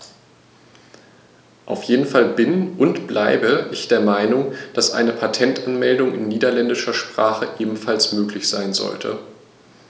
Auf jeden Fall bin - und bleibe - ich der Meinung, dass eine Patentanmeldung in niederländischer Sprache ebenfalls möglich sein sollte.